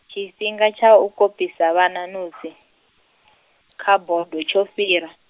tshifhinga tsha u kopisa vhana notsi, kha bodo tsho fhira.